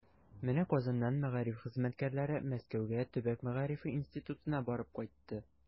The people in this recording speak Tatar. Менә Казаннан мәгариф хезмәткәрләре Мәскәүгә Төбәк мәгарифе институтына барып кайтты.